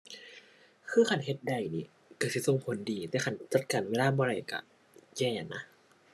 คือคันเฮ็ดได้นี่ก็สิส่งผลดี แต่คันจัดการเวลาบ่ได้ก็แย่นะ